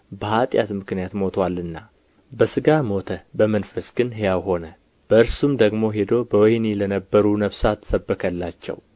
በኃጢአት ምክንያት ሞቶአልና በሥጋ ሞተ በመንፈስ ግን ሕያው ሆነ በእርሱም ደግሞ ሄዶ በወኅኒ ለነበሩ ነፍሳት ሰበከላቸው